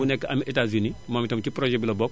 bu nekk Am Etats Unis moom itam ci projet bi la bokk